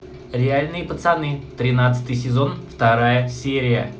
реальные пацаны тринадцатый сезон вторая серия